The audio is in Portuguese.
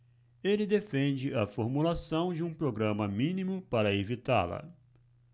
ele defende a formulação de um programa mínimo para evitá-la